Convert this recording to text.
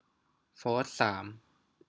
โฟธสาม